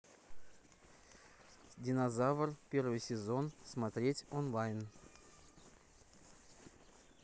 динозавр первый сезон смотреть онлайн